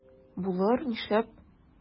Булыр, нишләп?